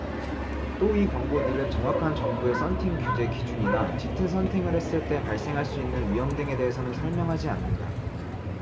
또 이 광고들은 정확한 정부의 선팅 규제 기준이나 짙은 선팅을 했을 때 발생할 수 있는 위험 등에 대해서는 설명하지 않는다